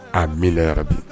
A miyara bi